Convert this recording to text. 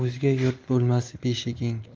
o'zga yurt bo'lmas beshiging